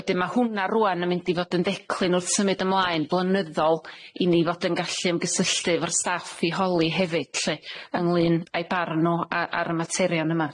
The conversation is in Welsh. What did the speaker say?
Wedyn ma' hwnna rŵan yn mynd i fod yn declyn wrth symud ymlaen blynyddol i ni fod yn gallu ymgysylltu efo'r staff i holi hefyd 'lly ynglŷn a'i barn o a- ar y materion yma.